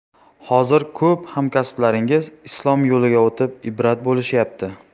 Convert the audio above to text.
hozir ko'p hamkasblaringiz islom yo'liga o'tib ibrat bo'lishyapti